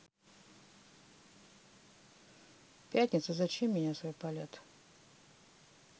пятница зачем меня свой полет